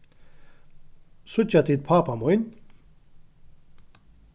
síggja tit pápa mín